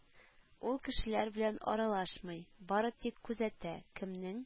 Ул кешеләр белән аралашмый, бары тик күзәтә, кемнең